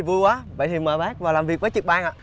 vui quá vậy thì mời bác vào làm việc với trực ban ạ